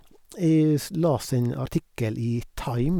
Jeg s las en artikkel i Time.